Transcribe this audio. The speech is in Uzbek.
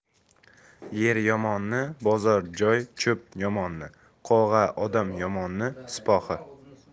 yer yomoni bozor joy cho'p yomoni qo'g'a odam yomoni sipohi